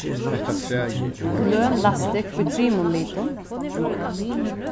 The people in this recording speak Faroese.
kløn lastikk í trimum litum